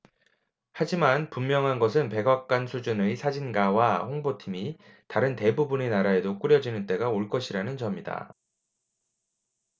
하지만 분명한 것은 백악관 수준의 사진가와 홍보팀이 다른 대부분의 나라에도 꾸려지는 때가 올 것이라는 점이다